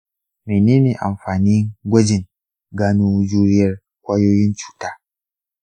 mene ne amfani gwajin gano juriyar kwayoyin cuta?